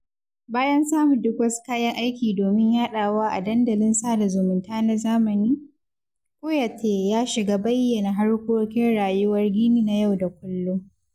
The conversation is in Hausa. Bayan samun duk wasu kayan aiki domin yaɗawa a dandalin sada zumunta na zamani, Kouyaté ya shiga bayyana harkokin rayuwar Guinea na yau da kullum.